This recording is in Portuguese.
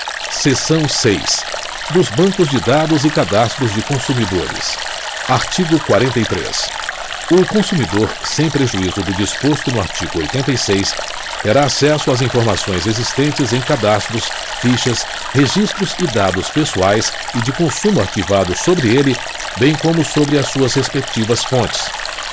seção seis dos bancos de dados e cadastros de consumidores artigo quarenta e três o consumidor sem prejuízo do disposto no artigo oitenta e seis terá acesso às informações existentes em cadastros fichas registros e dados pessoais e de consumo arquivados sobre ele bem como sobre as suas respectivas fontes